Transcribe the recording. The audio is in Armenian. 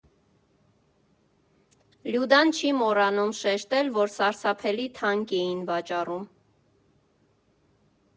Լյուդան չի մոռանում շեշտել, որ սարսափելի թանկ էին վաճառում։